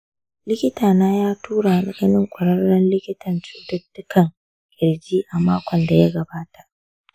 likitana ya tura ni ganin ƙwararren likitan cututtukan ƙirji a makon da ya gabata.